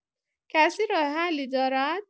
کسی راه‌حلی دارد؟